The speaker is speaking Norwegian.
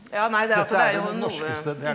ja nei det altså det er jo noe.